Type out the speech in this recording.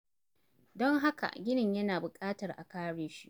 Don haka, ginin yana buƙatar a kare shi.